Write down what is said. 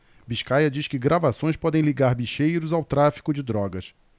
biscaia diz que gravações podem ligar bicheiros ao tráfico de drogas